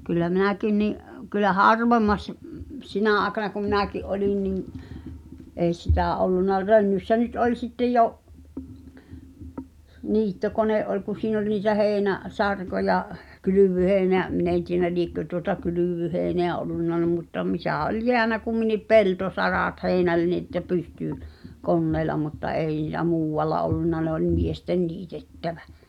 kyllä minäkin niin kyllä harvemmassa -- sinä aikana kun minäkin olin niin ei sitä ollut Rönnyssä nyt oli sitten jo niittokone oli kun siinä oli niitä - heinäsarkoja kylvöheinää minä en tiedä liekö tuota kylvöheinää ollut ne mutta mitä oli jäänyt kumminkin peltosarat heinällä että pystyi koneella mutta ei niitä muualla ollut ne oli miesten niitettävä